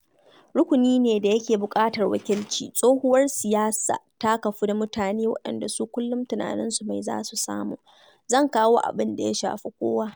Rukuni ne da yake buƙatar wakilci. Tsohuwar siyasa ta kafu da mutane waɗanda su kullum tunaninsu mai za su samu. Zan kawo abin da ya shafi kowa.